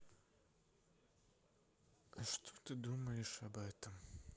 а ты что думаешь об этом